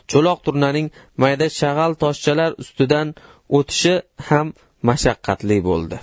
cho'loq turnaning mayda shag'al toshchalar ustidan o'tishi ham mashaqqatli bo'ldi